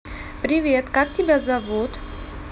привет как тебя зовут